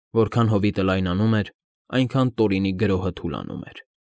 Որքան հովիտը լայնանում էր, այնքան Տորինի գրոհը թուլանում էր։